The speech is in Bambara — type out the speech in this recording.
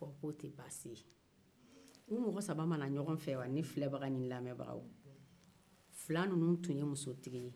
u mɔgɔ saba ma na ɲɔgɔn fɛ wa ne filɛbaga ni ne lamɛnbagaw fila ninnuw tun ye musotigi ye